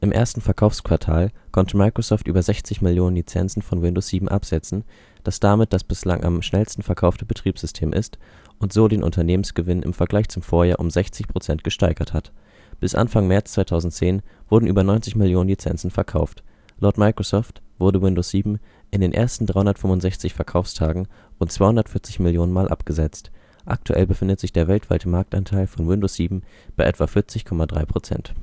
ersten Verkaufsquartal konnte Microsoft über 60 Millionen Lizenzen von Windows 7 absetzen, das damit das bislang am schnellsten verkaufte Betriebssystem ist und so den Unternehmensgewinn im Vergleich zum Vorjahr um 60 Prozent gesteigert hat. Bis Anfang März 2010 wurden über 90 Millionen Lizenzen verkauft. Laut Microsoft wurde Windows 7 in den ersten 365 Verkaufstagen rund 240 Millionen Mal abgesetzt. Aktuell befindet sich der weltweite Marktanteil von Windows 7 bei etwa 40,3 Prozent